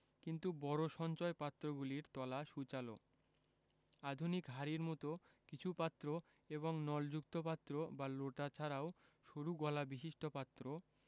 কিন্তু বড় সঞ্চয় পাত্রগুলির তলা সূচালো আধুনিক হাড়ির মতো কিছু পাত্র এবং নলযুক্ত পাত্র বা লোটা ছাড়াও সরু গলা বিশিষ্ট পাত্র